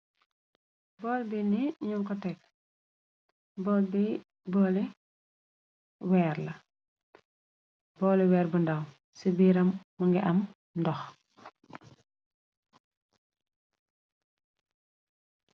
Bool bi ni ñu ko teg bol bi boli wer booli weer bu ndaw ci biiram mu ngi am ndox.